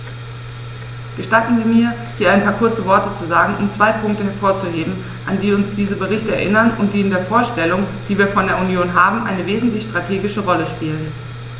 Gestatten Sie mir, hier ein paar kurze Worte zu sagen, um zwei Punkte hervorzuheben, an die uns diese Berichte erinnern und die in der Vorstellung, die wir von der Union haben, eine wesentliche strategische Rolle spielen.